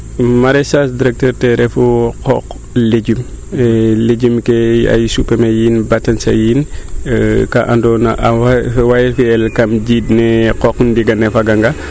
maraichage :gfra directeur ten refu qooq legume legume kee a supame yiin batañsa yiin kaa ando na a way fiye kam jiind ne qooq ndinga ne faga nga